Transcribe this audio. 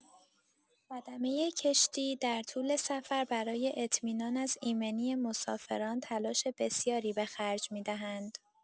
خدمه کشتی در طول سفر برای اطمینان از ایمنی مسافران تلاش بسیاری به خرج می‌دهند.